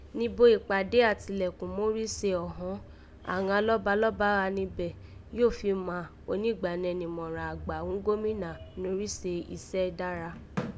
Nibo ìkpàdé àtilẹ̀kùnmórígho se ọ̀ghọ́n, àghan lọ́ba lọ́ba gha níbẹ̀ yóò fi má onìgbànẹ nímọ̀ràn àgbà ghún gómìnà norígho isé dára